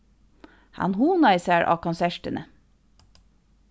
hann hugnaði sær á konsertini